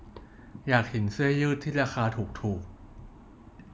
อยากเห็นเสื้อยืดที่ราคาถูกถูก